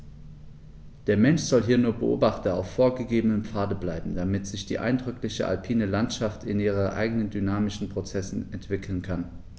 Der Mensch soll hier nur Beobachter auf vorgegebenen Pfaden bleiben, damit sich die eindrückliche alpine Landschaft in ihren eigenen dynamischen Prozessen entwickeln kann.